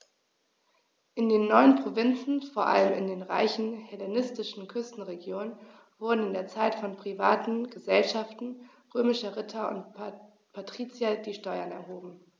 In den neuen Provinzen, vor allem in den reichen hellenistischen Küstenregionen, wurden in dieser Zeit von privaten „Gesellschaften“ römischer Ritter und Patrizier die Steuern erhoben.